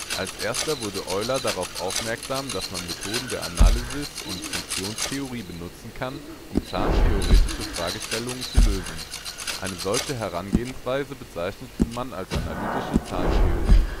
Als erster wurde Euler darauf aufmerksam, dass man Methoden der Analysis und Funktionentheorie benutzen kann, um zahlentheoretische Fragestellungen zu lösen. Eine solche Herangehensweise bezeichnet man als analytische Zahlentheorie